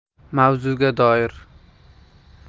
mavzuga doir